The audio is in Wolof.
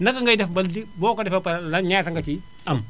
naka ngay def ba li boo ko defee ba pare la ñaata nga ciy am